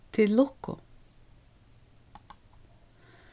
til lukku